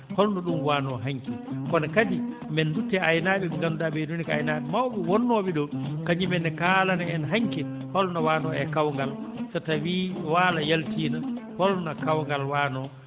holno ɗum wanoo hanki kono kadi men dutto e aynaaɓe ɓe ngannduɗaa ɓee ɗoo nii ko aynaaɓe mawɓe wonnooɓe ɗoo kadi ɓe ne kaalana en hanki holno waano e kawgal so tawii waalo yaltiino holno kawgal wanoo